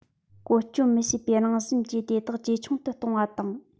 བཀོལ སྤྱོད མི བྱེད པའི རང བཞིན གྱིས དེ དག ཇེ ཆུང དུ གཏོང བ དང